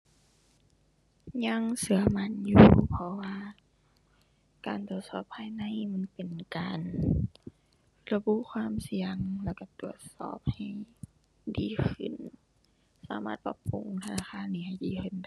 ยังเชื่อมั่นอยู่ เพราะว่าการตรวจสอบภายในมันเป็นการระบุความเสี่ยงแล้วเชื่อตรวจสอบให้ดีขึ้น สามารถปรับปรุงธนาคารนี้ให้ดีขึ้นได้